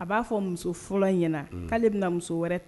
A b'a fɔ muso fɔlɔ in ɲɛna unh k'ale bɛna muso wɛrɛ ta